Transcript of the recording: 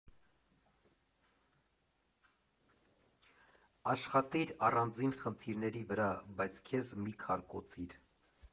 Աշխատիր առանձին խնդիրների վրա, բայց քեզ մի քարկոծիր։